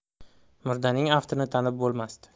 murdaning aftini tanib bo'lmasdi